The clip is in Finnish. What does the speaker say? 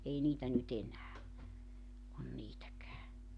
ei niitä nyt enää ole niitäkään